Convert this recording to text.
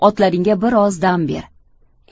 otlaringga biroz dam ber